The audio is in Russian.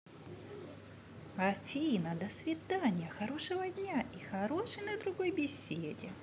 афина до свидания хорошего дня и хороший на другой беседы